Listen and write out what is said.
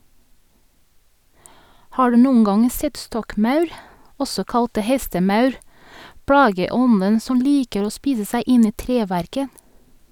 Har du noen gang sett stokkmaur , også kalt hestemaur, plageånden som liker å spise seg inn i treverket?